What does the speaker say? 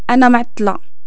انا معطلة